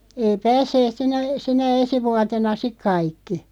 ei päässeet sinä sinä esi vuotena sitten kaikki